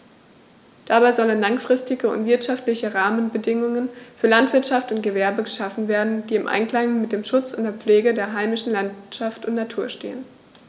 Dabei sollen langfristige und wirtschaftliche Rahmenbedingungen für Landwirtschaft und Gewerbe geschaffen werden, die im Einklang mit dem Schutz und der Pflege der heimischen Landschaft und Natur stehen.